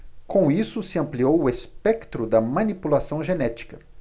com isso se ampliou o espectro da manipulação genética